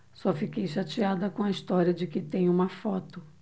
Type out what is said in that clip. só fiquei chateada com a história de que tem uma foto